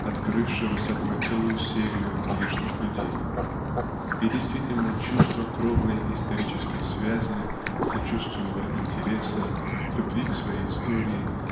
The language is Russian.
открывшего собой целую серию "лишних людей". И действительно чувства кровной исторической связи сочувственного интереса любви к своей истории